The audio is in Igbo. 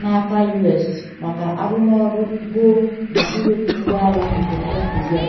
n’aka U.S. maka arụmọrụ gboo na iwepu ngwa agha nke North Korea.